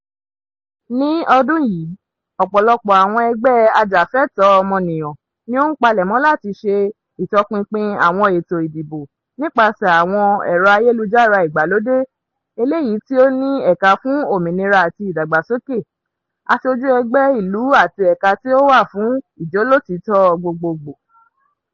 Ní ọdún yìí, ọ̀pọ̀lọpọ̀ àwọn ẹgbẹ́ ajàfẹ́tọ̀ọ́ ọmọnìyàn ni ó ń palẹ̀mọ́ láti ṣe ìtọpinpin àwọn ètò ìdìbò nípaṣẹ àwọn ẹ̀rọ-ayélujára ìgbàlódé, eléyìí tí ó ní Ẹ̀ka fún Òmìnira àti Ìdàgbàsókè, Asojú Ẹgbẹ́ ìlú àti Ẹ̀ka tí ó wà fún Ìjólótìítọ́ Gbogbogbò.